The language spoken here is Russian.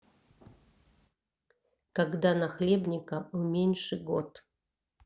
когда нахлебника уменьши год